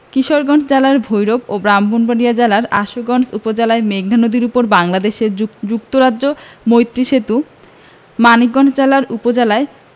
কিশোরগঞ্জ জেলার ভৈরব ও ব্রাহ্মণবাড়িয়া জেলার আশুগঞ্জ উপজেলায় মেঘনা নদীর উপর বাংলাদেশ যুক্তরাজ্য মৈত্রী সেতু মানিকগঞ্জ জেলার উপজেলায়